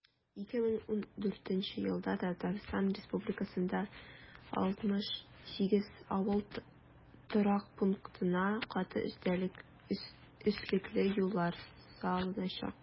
2014 елда татарстан республикасында 68 авыл торак пунктына каты өслекле юллар салыначак.